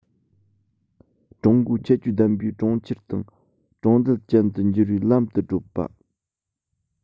ཀྲུང གོའི ཁྱད ཆོས ལྡན པའི གྲོང ཁྱེར དང གྲོང རྡལ ཅན དུ འགྱུར བའི ལམ དུ བགྲོད པ